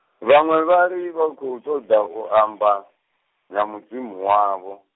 vhaṅwe vhari vha khou ṱoḓa u amba, na Mudzimu wavho.